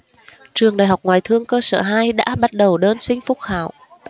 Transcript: trường đại học ngoại thương cơ sở hai đã bắt đầu đơn xin phúc khảo